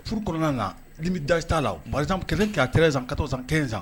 Furu kɔnɔna na ni bɛ da t'a la mari kɛlɛ kate zan katɔ san kɛ san